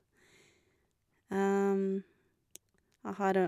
Jeg har...